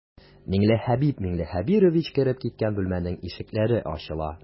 Миңлехәбиб миңлехәбирович кереп киткән бүлмәнең ишекләре ачыла.